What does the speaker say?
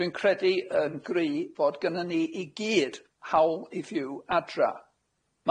Dwi'n credu yn gry' fod gynnon ni i gyd hawl i fyw adra.